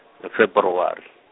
e Feberware.